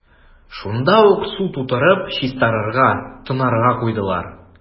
Шунда ук су тутырып, чистарырга – тонарга куйдылар.